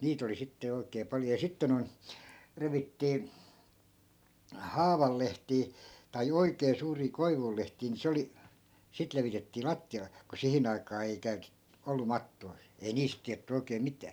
niitä oli sitten jo oikein paljon ja sitten noin revittiin haavan lehtiä tai oikein suuria koivun lehtiä niin se oli sitten levitettiin lattialle kun siihen aikaan ei - ollut mattoja ei niistä tiedetty oikein mitään